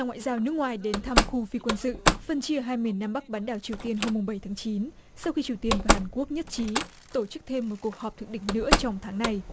ngoại giao nước ngoài đến thăm khu phi quân sự phân chia hai miền nam bắc bán đảo triều tiên hôm mùng bảy tháng chín sau khi triều tiên và hàn quốc nhất trí tổ chức thêm một cuộc họp thượng đỉnh nữa trong tháng này